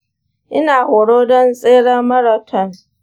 ina horo don tseren marathon.